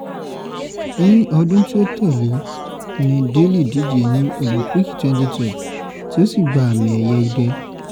Ní ọdún tí ó tẹ̀lé e ní Daley díje ní Òlìńpìkì 2012 tí ó ṣì gba àmì ẹ̀yẹ idẹ.